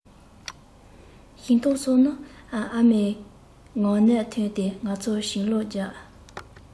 ཞིང ཐང སོགས ནི ཨ མའི ངག ནས ཐོན ཏེ ང ཚོའི བྱིས བློ རྒྱས